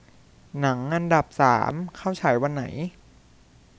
หนังอันดับสามเข้าฉายวันไหน